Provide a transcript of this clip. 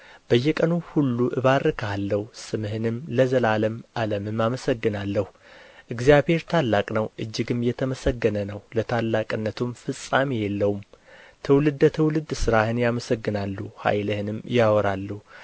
በየቀኑ ሁሉ እባርክሃለሁ ስምህንም ለዘላለም ዓለምም አመሰግናለሁ እግዚአብሔር ታላቅ ነው እጅግም የተመሰገነ ነው ለታላቅነቱም ፍጻሜ የለውም ትውልደ ትውልድ ሥራህን ያመሰግናሉ ኃይልህንም ያወራሉ